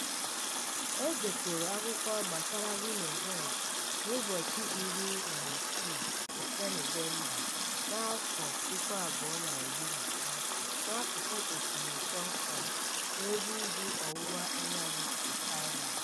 E dekọrọ akụkọ gbasara Rhino Head n'ụbọchị 16 nke Nọvemba, 2014, n'akụkụ Osimiri Songkram n'ebe ugwu ọwụwa anyanwụ nke Thailand.